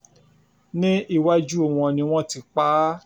Ní iwájú wọn ni wọ́n ti pa á.